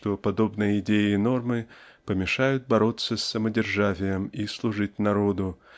что подобные идеи и нормы помешают бороться с самодержавием и служить "народу"